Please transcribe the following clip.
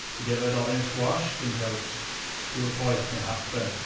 Os dwi 'di yfed orange squash dwi'n cael dŵr poeth neu heart burn.